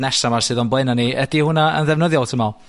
nesa' 'ma sydd o'n blaena' ni. Ydi hwnna yn ddefnyddiol w't ti'n me'wl?